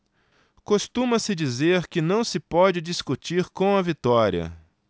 costuma-se dizer que não se pode discutir com a vitória